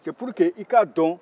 se pour que i ka dɔn